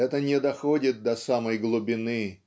это не доходит до самой глубины